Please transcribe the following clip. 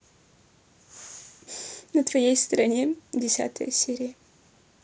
на твоей стороне десятая серия